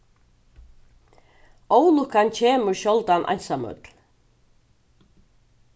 ólukkan kemur sjáldan einsamøll